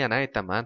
yana aytaman